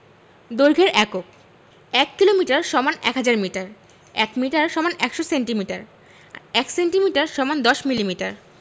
দৈর্ঘ্যের এককঃ ১ kilometre = ১০০০ metre ১ metre = ১০০ centimetre ১ centimetre = ১০ millimetre